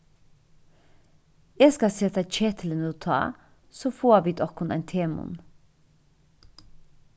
eg skal seta ketilin útá so fáa vit okkum ein temunn